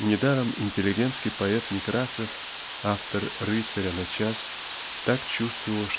Недаром интеллигентский поэт Некрасов автор "Рыцаря на час" так чувствовал